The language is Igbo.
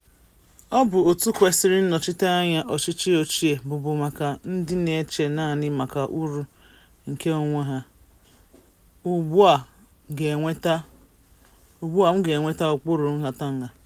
Ọ bụ òtù kwesịrị nnọchiteanya. Ọchịchị ochie bụbu maka ndị na-eche naanị maka uru nke onwe ya. Ugbua m ga-eweta ụkpụrụ nhatanha.